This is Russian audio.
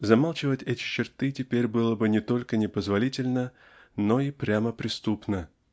Замалчивать эти черты теперь было бы не только непозволительно но и прямо преступно.